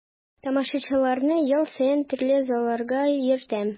Тамашачыларны ел саен төрле залларга йөртәм.